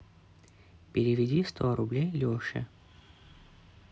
переведи сто рублей леше